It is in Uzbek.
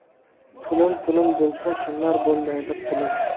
pulim pulim bo'lsa kimlar bo'lmaydi qulim